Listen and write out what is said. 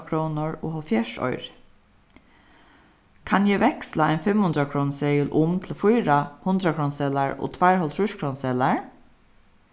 krónur og hálvfjerðs oyru kann eg veksla ein fimmhundraðkrónuseðil um til fýra hundraðkrónuseðlar og tveir hálvtrýsskrónuseðlar